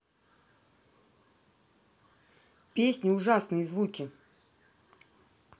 песня ужасные звуки